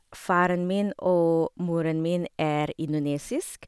Faren min og moren min er indonesisk.